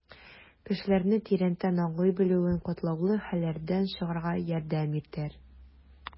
Кешеләрне тирәнтен аңлый белүең катлаулы хәлләрдән чыгарга ярдәм итәр.